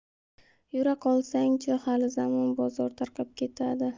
yura qolsang chi hali zamon bozor tarqab ketadi